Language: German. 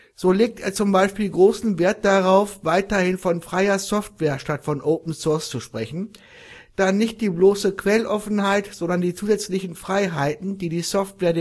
So legt er zum Beispiel großen Wert darauf, weiterhin von Freier Software statt Open Source zu sprechen, da nicht die bloße Quelloffenheit, sondern die zusätzlichen Freiheiten, die die Software